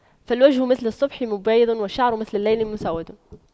فالوجه مثل الصبح مبيض والشعر مثل الليل مسود